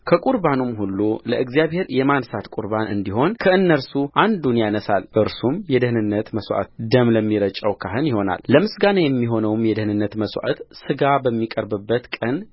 ከቍርባኑም ሁሉ ለእግዚአብሔር የማንሣት ቍርባን እንዲሆን ከእነርሱ አንዱን ያነሣል እርሱም የደኅንነትን መሥዋዕት ደም ለሚረጨው ካህን ይሆናልለምስጋና የሚሆነው የደኅንነት መሥዋዕት ሥጋ በሚቀርብበት ቀን